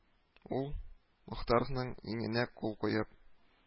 Ул, Мохтаровның иңенә кул куеп: